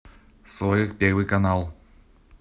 сорок первый канал